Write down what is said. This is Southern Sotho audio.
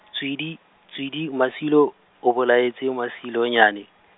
tswidi, tswidi, Masilo, o bolaetse Masilonyane.